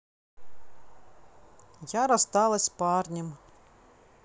я рассталась с парнем